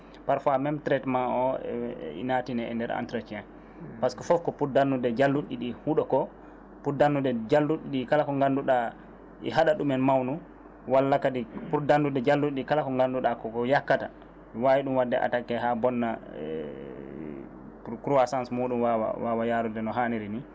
parfois même triatement o ina nattine e nder entretien par ce que foof ko pour danndude jalluɗi ɗi huuɗo ko pour danndude jalluɗi ɗi kala ko gannduɗa ɗi haɗat ɗumen mawnu walla kadi ppur danndude jalluɗi kala ko gannduɗa koko yakkata wawi ɗum wadde attaqué ha bonna croissance muɗum wawa wawa yaarude no hanniri ni